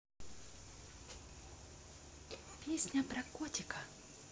песня про котика